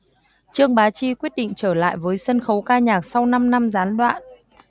trương bá chi quyết định trở lại với sân khấu ca nhạc sau năm năm gián đoạn